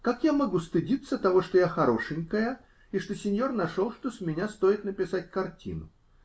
Как я могу стыдиться того, что я хорошенькая и что синьор нашел, что с меня стоит написать картину?